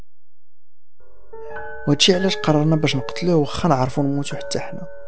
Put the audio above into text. وجعلك قرنقش وقتله وخر اعرف واموت حنا